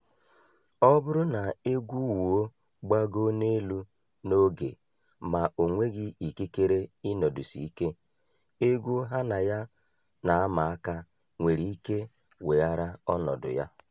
Ọ bụrụ na egwu wuo gbagoo n'elu n'oge ma o nweghị ikikere ịnọdụsi ike, egwu ha na ya na-ama aka nwere ike weghara ọnọdụ ya.